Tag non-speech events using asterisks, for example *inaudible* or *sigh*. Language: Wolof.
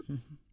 *hesitation*